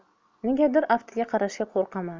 negadir aftiga qarashga qo'rqaman